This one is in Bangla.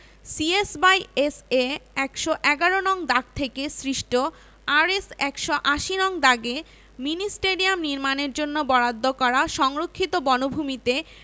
C S by S A ১১১ নং দাগ থেকে সৃষ্ট আরএস ১৮০ নং দাগে মিনি স্টেডিয়াম নির্মাণের জন্য বরাদ্দ করা সংরক্ষিত বনভূমিতে